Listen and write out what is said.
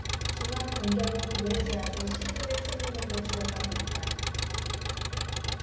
중앙 공격은 도외시하고 실리를 챙기는 데 주력하고 있다